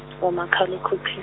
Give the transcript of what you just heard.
komokhal' ekhukhw-.